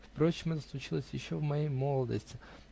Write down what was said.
Впрочем, это случилось еще в моей молодости.